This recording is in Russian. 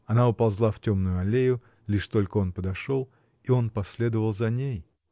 Она уползла в темную аллею, лишь только он подошел, и он последовал за ней.